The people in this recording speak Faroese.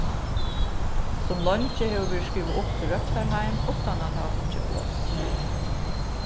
sum leingi hevur verið skrivað upp til røktarheim uttan at hava fingið pláss